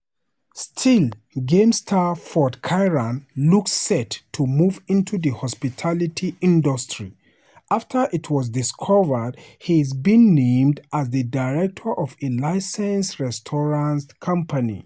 Still Game star Ford Kieran looks set to move into the hospitality industry after it was discovered he's been named as the director of a licensed restaurants company.